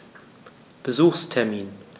Besuchstermin